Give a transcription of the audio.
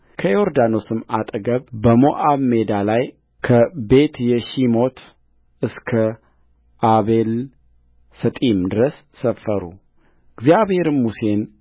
በዮርዳኖስም አጠገብ በሞዓብ ሜዳ ላይ ከቤትየሺሞት እስከ አቤልሰጢም ድረስ ሰፈሩእግዚአብሔርም ሙሴን